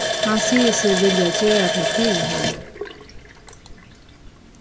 hann sigur seg vilja gera tað fyri hana